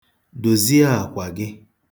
Dozie akwa gị.